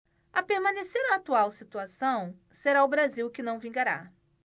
a permanecer a atual situação será o brasil que não vingará